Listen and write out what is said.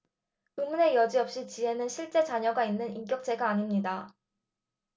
의문의 여지없이 지혜는 실제 자녀가 있는 인격체가 아닙니다